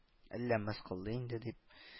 Әллә мыскыллый инде? – дип